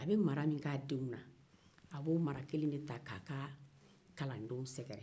a bɛ mara min kɛ a denw na a b'o mara kelen de ta k'a ka kalandenw sɛgɛrɛ